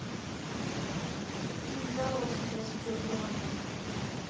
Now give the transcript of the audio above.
k диалог сейчас идет е мое